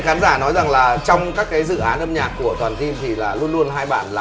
khán giả nói rằng là trong các cái dự án âm nhạc của toàn tim thì là luôn luôn hai bạn là